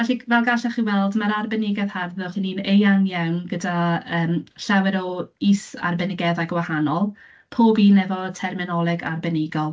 Felly g- fel gallwch chi weld, mae'r arbenigedd harddwch yn un eang iawn gyda yym llawer o is-arbenigeddau gwahanol, pob un efo terminoleg arbenigol.